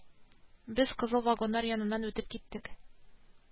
Без кызыл вагоннар яныннан үтеп киттек